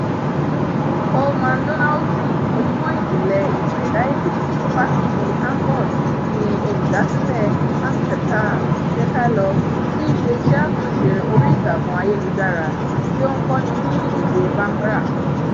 Coleman Donaldson, onímọ̀ ìjìnlẹ̀ ìmọ̀ ẹ̀dá èdè ní Fáṣítì Hamburg ni olùdásílẹ̀ An ka taa ("jẹ́ ká lọ") tíí ṣe iṣẹ́ àkànṣe orí ìtàkùn ayélujára tí ó ń kọ́ ni ní èdè Bambara.